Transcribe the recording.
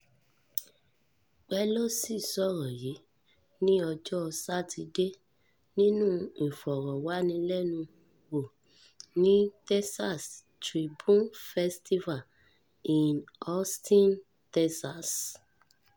Pelosi sọ̀rọ̀ yí ní ọjọ́ Satidé nínú ìfọ̀rọ̀wánilẹ́nuwò ní Texas Tribune Festival in Austin, Texas.